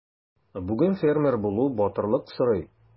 Бүген фермер булу батырлык сорый.